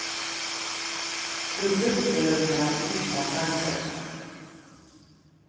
tú brúkti tað síðsta tannkremið